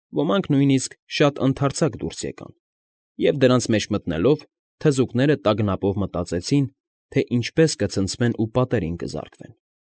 Ոմանք նույնիսկ շատ ընդարձակ դուրս եկան, և, դրանց մեջ մտնելով, թզուկները տագնապով մտածեցին, թե ինչպես կցնցվեն ու պատերին կզարկվեն։